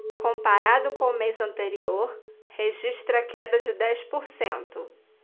comparado com o mês anterior registra queda de dez por cento